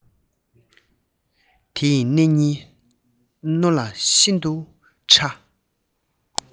དེ ཡི སྣེ གཉིས རྣོ ལ ཤིན ཏུ ཕྲ